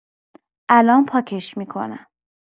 الان پاکش می‌کنم